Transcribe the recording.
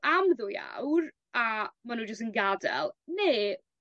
am ddwy awr a ma' n'w jus yn gadel ne'